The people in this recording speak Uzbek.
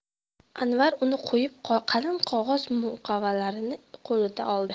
anvar uni qo'yib qalin qog'oz muqovalisini qo'liga oldi